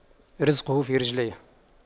رِزْقُه في رجليه